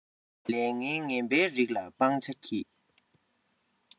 ལས ངན ངན པའི རིགས ལ སྤང བྱ གྱིས